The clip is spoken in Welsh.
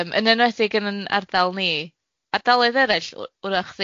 Yym yn enwedig yn yn ardal ni, ardaloedd eraill w- 'w'rach